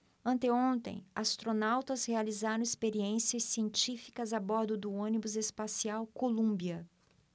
anteontem astronautas realizaram experiências científicas a bordo do ônibus espacial columbia